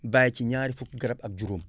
bàyyi ci ñaari fukki garab ak juróom